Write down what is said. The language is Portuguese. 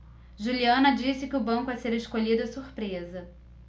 juliana disse que o banco a ser escolhido é surpresa